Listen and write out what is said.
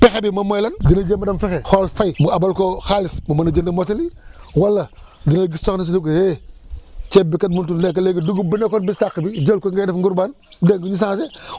pexe bi moom mooy lan dina jéem a dem fexe xool Faye mu abal ko xaalis mu mën a jënd mottali wala dina gis soxna si ne ko eh ceeb bi kat motul ne ko léegi dugub bi nekkoon biir sàq bi jël ko ngay def ngurbaan dégg nga ñu changé